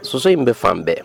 Soso in bɛ fan bɛɛ